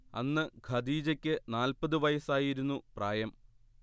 അന്ന് ഖദീജക്ക് നാൽപത് വയസ്സായിരുന്നു പ്രായം